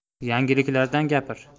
yangiliklardan gapir